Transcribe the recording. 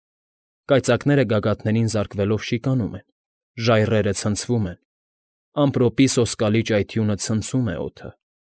Կայծակները գագաթներին զարկվելով շիկանում են, ժայռերը ցնցվում են, ամպրոպի սոսկալի ճայթյունը ցնցում է օդը։